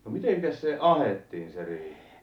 no mitenkäs se ahdettiin se riihi